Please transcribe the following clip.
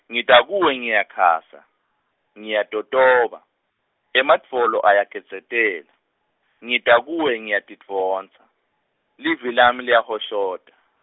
ngita kuwe ngiyakhasa, Ngiyatotoba, emadvolo ayagedzetela, ngita kuwe ngiyatidvonsa, livi lami liyahoshota.